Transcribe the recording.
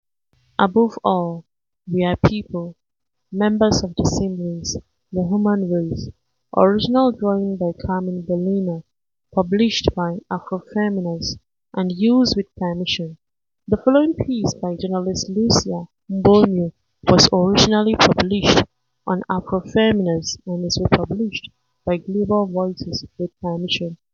Above all, we are people, members of the same race, the human race.” Original drawing by Carmen Bolena, published by Afroféminas and used with permission. The following piece by journalist Lucía Mbomío was originally published on Afroféminas and is republished by Global Voices with permission.